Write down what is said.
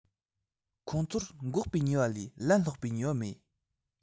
ཁོང ཚོར འགོག པའི ནུས པ ལས ལན སློག པའི ནུས པ མེད